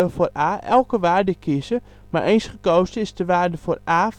voor a elke waarde kiezen, maar eens gekozen is de waarde voor a